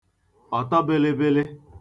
ọ̀tọbị̄lị̄bị̄lị̄